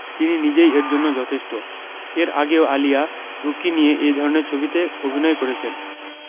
তিনি নিজেই এর জন্য যথেষ্ট এর আগেও আলিয়া ঝুঁকি নিয়ে এ ধরনের ছবিতে অভিনয় করেছেন